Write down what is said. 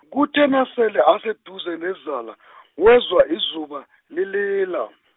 kuthe nasele aseduze nezala , wezwa izuba lilila .